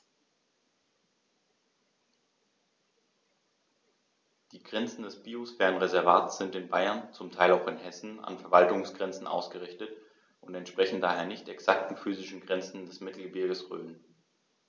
Die Grenzen des Biosphärenreservates sind in Bayern, zum Teil auch in Hessen, an Verwaltungsgrenzen ausgerichtet und entsprechen daher nicht exakten physischen Grenzen des Mittelgebirges Rhön.